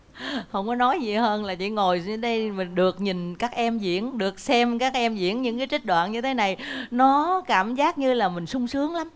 hông có nói gì hơn là chỉ ngồi dưới đây và được nhìn các em diễn được xem các em diễn những cái trích đoạn như thế này nó cảm giác như là mình sung sướng lắm